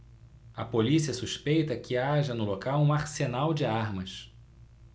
a polícia suspeita que haja no local um arsenal de armas